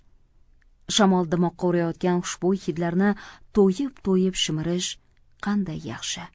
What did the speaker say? shamol dimoqqa urayotgan xushbo'y hidlarni to'yib to'yib shimirish qanday yaxshi